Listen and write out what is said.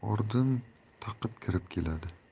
taqib kirib keladi